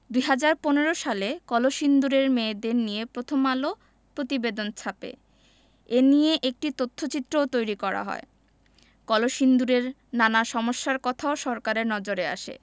২০১৫ সালে কলসিন্দুরের মেয়েদের নিয়ে প্রথম আলো প্রতিবেদন ছাপে এ নিয়ে একটি তথ্যচিত্রও তৈরি করা হয় কলসিন্দুরের নানা সমস্যার কথাও সরকারের নজরে আসে